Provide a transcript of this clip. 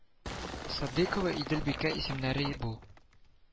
Садыйкова Иделбикә исемнәре бу